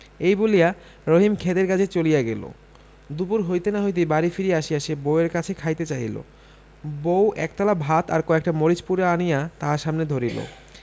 এই বলিয়া রহিম ক্ষেতের কাজে চলিয়া গেল দুপুর হইতে না হইতেই বাড়ি ফিরিয়া আসিয়া সে বউ এর কাছে খাইতে চাহিল বউ একথালা ভাত আর কয়েকটা মরিচ পোড়া আনিয়া তাহার সামনে ধরিল